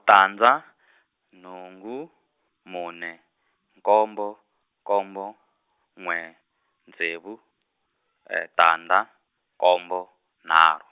tandza nhungu mune nkombo nkombo n'we ntsevu, tandza nkombo nharhu.